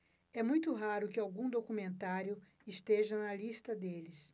é muito raro que algum documentário esteja na lista deles